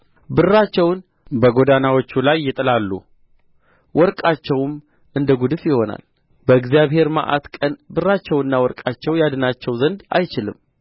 ብራቸውን በጎዳናዎቹ ላይ ይጥላሉ ወርቃቸውም እንደ ጕድፍ ይሆናል በእግዚአብሔር መዓት ቀን ብራቸውና ወርቃቸው ያድናቸው ዘንድ አይችልም